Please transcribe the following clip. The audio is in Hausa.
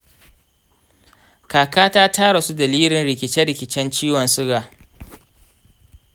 kakata ta rasu dalilin rikice-rikicen ciwon suga.